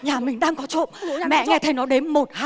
nhà mình đang có trộm mẹ nghe thấy nó đếm một hai